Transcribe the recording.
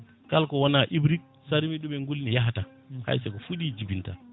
kala ko wona hibride sa reemi ɗum e guuli yahata haysi ko fuuɗi jibinta